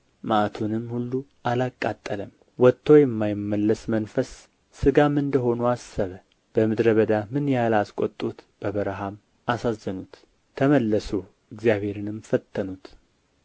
መዓቱንም ሁሉ አላቃጠለም ወጥቶ የማይመለስ መንፈስ ሥጋም እንደ ሆኑ አሰበ በምድረ በዳ ምን ያህል አስቈጡት በበረሃም አሳዘኑት ተመለሱ እግዚአብሔርንም ፈተኑት